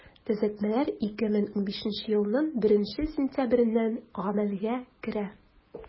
Төзәтмәләр 2015 елның 1 сентябреннән гамәлгә керә.